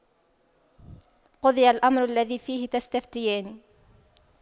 قُضِيَ الأَمرُ الَّذِي فِيهِ تَستَفِتيَانِ